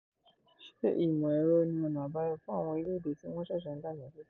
Ṣé ìmọ̀-ẹ̀rọ ni ọ̀nà-àbáyọ fún àwọn orílẹ̀-èdè tí wọ́n sẹ̀sẹ̀ ń dàgbà sókè?